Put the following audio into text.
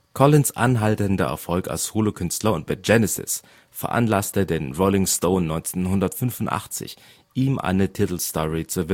Collins ' anhaltender Erfolg als Solokünstler und mit Genesis veranlasste den Rolling Stone 1985, ihm eine Titelstory zu